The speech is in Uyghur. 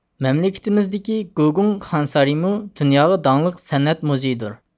مەملىكىتىمىزدىكى گۇگۇڭ خان سارىيىمۇ دۇنياغا داڭلىق سەنئەت مۇزېيدۇر